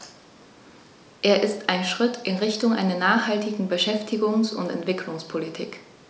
Er ist ein Schritt in Richtung einer nachhaltigen Beschäftigungs- und Entwicklungspolitik.